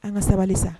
An ka sabali sa